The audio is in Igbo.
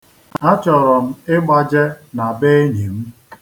Achọrọ m ịgbaje na be enyi m.